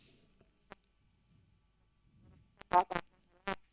*